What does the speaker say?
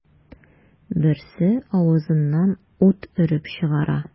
Берсе авызыннан ут өреп чыгара.